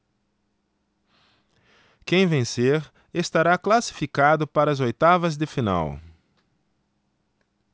quem vencer estará classificado para as oitavas de final